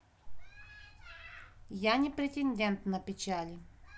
я не претендент на печали